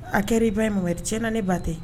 A kɛra i ba ye mɔgɔ wɛrɛ tiɲɛna ne ba tɛ